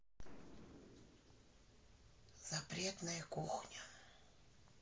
запретная кухня